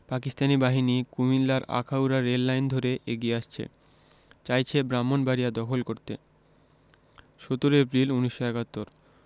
পাকিস্তানি বাহিনী কুমিল্লার আখাউড়া রেললাইন ধরে এগিয়ে আসছে চাইছে ব্রাহ্মনবাড়িয়া দখল করতে ১৭ এপ্রিল ১৯৭১